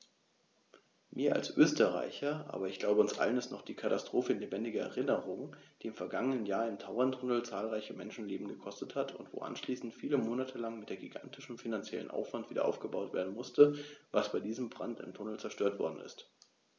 Mir als Österreicher, aber ich glaube, uns allen ist noch die Katastrophe in lebendiger Erinnerung, die im vergangenen Jahr im Tauerntunnel zahlreiche Menschenleben gekostet hat und wo anschließend viele Monate lang mit gigantischem finanziellem Aufwand wiederaufgebaut werden musste, was bei diesem Brand im Tunnel zerstört worden ist.